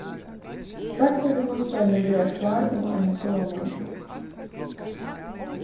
dagførdu kostráðini verða klár um ein góðan mánaða